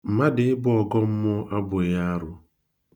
Mmadụ ịbụ ọgọ mmụọ abụghị arụ.